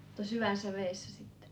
mutta syvässä vedessä sitten